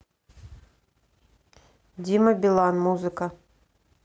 дима билан музыка